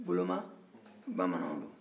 goloma bamananw don